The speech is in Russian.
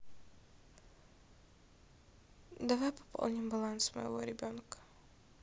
давай пополним баланс моего ребенка